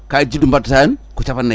kayit juddu baddata hen ko capannayyi